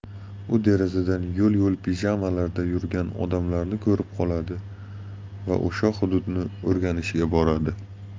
u derazadan yo'l yo'l pijamalarda yurgan odamlarni ko'rib qoladi va o'sha hududni o'rganishga boradi